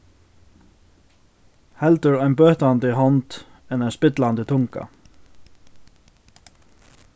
heldur ein bøtandi hond enn ein spillandi tunga